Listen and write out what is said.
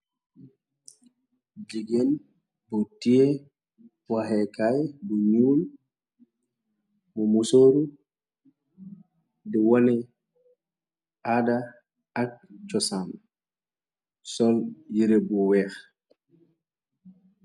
Jigéen bu tie waxekaay bu nuul mu musooru di wone aada ak cosaam sol yire bu weex.